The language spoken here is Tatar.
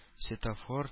Светофор